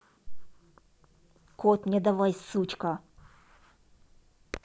кот мне давай сучка